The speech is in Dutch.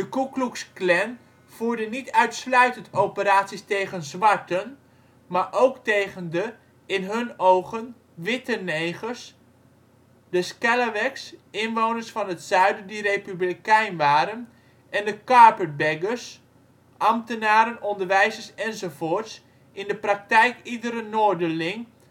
Ku Klux Klan voerde niet uitsluitend operaties uit tegen zwarten maar ook tegen de - in hun ogen - witte negers, de scalawags (inwoners van het Zuiden die Republikein waren) en de carpetbaggers (ambtenaren, onderwijzers enzovoorts, in de praktijk iedere Noorderling